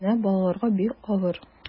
Менә балаларга бик авыр.